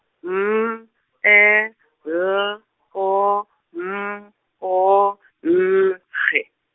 M, E, L, O, M, O, N, G.